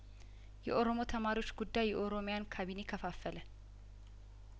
የኦሮሞ ተማሪዎች ጉዳይ የኦሮሚያን ካቢኔ ከፋፈለ